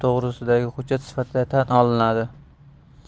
to'g'risidagi hujjat sifatida tan olinadi